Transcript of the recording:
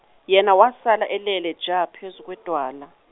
yena wasala elele ja, phezu kwedwala.